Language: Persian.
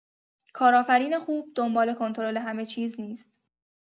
کارآفرین خوب دنبال کنترل همه‌چیز نیست؛